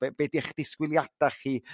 B- be' dych disgwyliada' chi